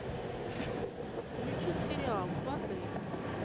включить сериал сваты